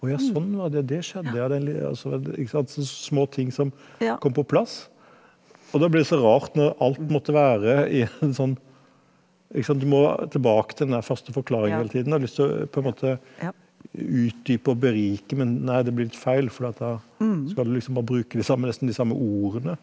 å ja sånn var det, det skjedde ja, den altså ikke sant så små ting som kom på plass og da blir det så rart når alt måtte være i en sånn ikke sant du må tilbake til den her første forklaring hele tiden, har lyst til å på en måte utdype og berike men nei det blir litt feil fordi at da skal du liksom bare bruke de samme nesten de samme ordene.